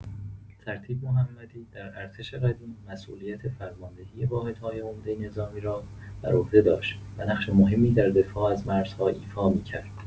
سرتیپ محمدی در ارتش قدیم مسئولیت فرماندهی واحدهای عمده نظامی را بر عهده داشت و نقش مهمی در دفاع از مرزها ایفا می‌کرد.